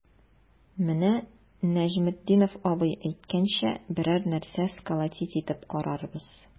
Менә Нәҗметдинов абый әйткәнчә, берәр нәрсә сколотить итеп карарбыз.